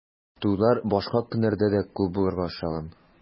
Туйлар башка көннәрдә дә күп булырга охшаган.